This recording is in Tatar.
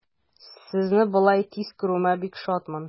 Сезне болай тиз күрүемә бик шатмын.